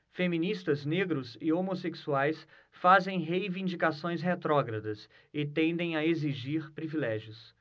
feministas negros e homossexuais fazem reivindicações retrógradas e tendem a exigir privilégios